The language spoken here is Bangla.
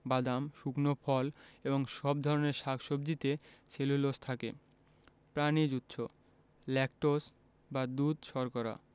বাদাম শুকনো ফল এবং সব ধরনের শাক সবজিতে সেলুলোজ থাকে প্রানিজ উৎস ল্যাকটোজ বা দুধ শর্করা